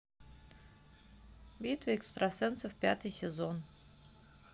битва экстрасенсов пятый сезон